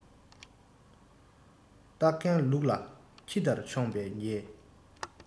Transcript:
སྟག རྒན ལུག ལ ཁྱི ལྟར མཆོངས པས ཉེས